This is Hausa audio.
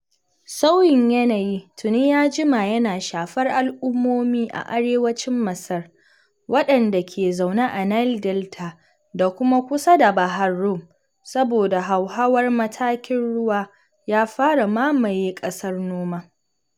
Sauyin yanayi tuni ya jima yana shafar al’ummomi a arewacin Masar, waɗanda ke zaune a Nile Delta da kuma kusa da Bahar Rum, saboda hauhawar matakin ruwa ya fara mamaye ƙasar noma.